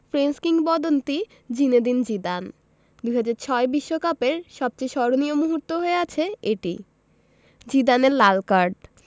French কিংবদন্তি Zinedine Zidane ২০০৬ বিশ্বকাপের সবচেয়ে স্মরণীয় মুহূর্ত হয়ে আছে এটি জিদানের লাল কার্ড